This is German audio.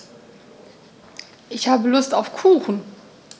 Ich habe Lust auf Kuchen.